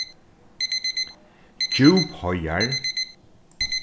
djúpheiðar